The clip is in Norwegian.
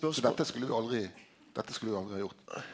så dette skulle vi aldri dette skulle vi aldri ha gjort.